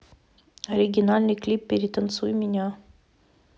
оригинальный клип перетанцуй меня